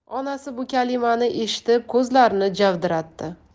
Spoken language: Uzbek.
onasi bu kalimani eshitib ko'zlarini javdiratdi